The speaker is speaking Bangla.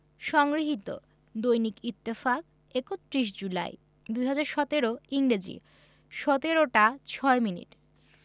সংগৃহীত দৈনিক ইত্তেফাক ৩১ জুলাই ২০১৭ ইংরেজি ১৭ টা ৬ মিনিট